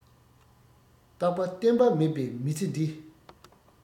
རྟག པ བརྟན པ མེད པའི མི ཚེ འདི